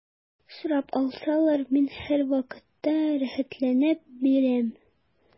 Сорап алсалар, мин һәрвакытта рәхәтләнеп бирәм.